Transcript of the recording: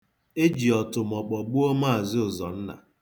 E ji ọtụmọkpọ gbuo Mz. Ụzọnna.